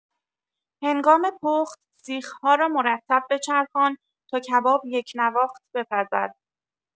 هنگام پخت، سیخ‌ها را مرتب بچرخان تا کباب یکنواخت بپزد.